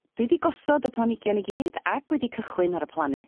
Dwi 'di gosod y planigion i gyd ac wedi cychwyn ar y plannu.